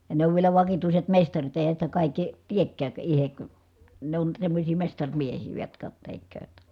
ja ne on vielä vakituiset mestarit eihän sitä kaikki teekään itse ne on semmoisia mestarimiehiä vain jotka tekevät